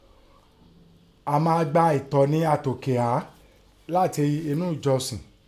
À maa gba ẹ̀tọ́ni àtòkè ghá láti ẹnú ẹ̀jọsìn.